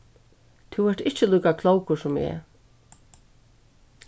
tú ert ikki líka klókur sum eg